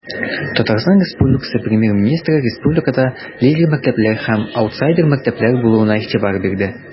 ТР Премьер-министры республикада лидер мәктәпләр һәм аутсайдер мәктәпләр булуына игътибар бирде.